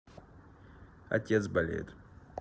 отец болеет